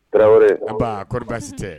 Tarawele, an ba kɔri baasi tɛ?